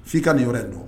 F'i ka nin yɔrɔ in dɔn